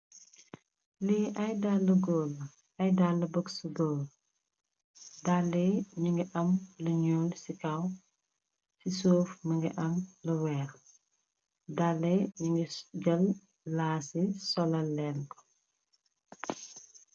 Li ay dalla gór la, ay dalli buksu gór . Dalli yi ñi ñgi am lu ñuul ci kaw, ci suuf mugii am lu wèèx. Dalli yi ñi ngi jél laas yi solal lèèn ko.